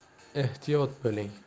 ehtiyot bo'ling